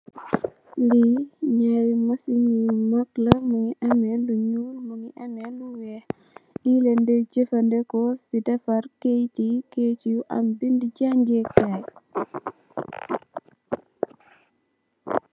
Lee nyari macen yu mag la muge ameh lu nuul muge ameh lu weex le lang de jefaneku se defarr keyete ye keyete yu am bede jagekay.